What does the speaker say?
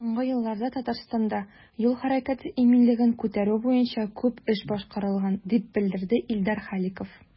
Соңгы елларда Татарстанда юл хәрәкәте иминлеген күтәрү буенча күп эш башкарылган, дип белдерде Илдар Халиков.